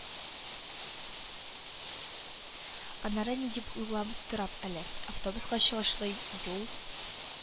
Аннары ни дип уйлап торам әле, автобуска чыгышлый, юл